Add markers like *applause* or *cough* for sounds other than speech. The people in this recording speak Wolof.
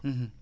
*hesitation* *hesitation*